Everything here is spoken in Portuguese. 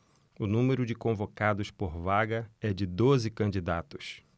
o número de convocados por vaga é de doze candidatos